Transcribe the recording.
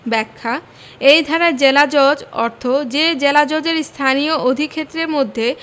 ব্যাখ্যা এই ধারায় জেলাজজ অর্থ যে জেলাজজের স্থানীয় অধিক্ষেত্রের মধ্যে